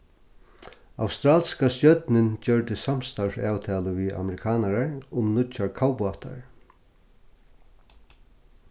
australska stjórnin gjørdi samstarvsavtalu við amerikanarar um nýggjar kavbátar